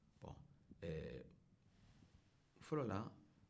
bɔn ɛɛ fɔlɔ la